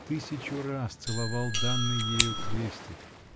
тысячу раз целовал данный ею крестик.